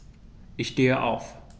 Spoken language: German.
Ich stehe auf.